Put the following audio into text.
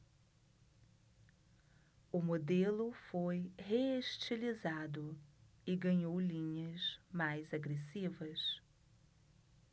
o modelo foi reestilizado e ganhou linhas mais agressivas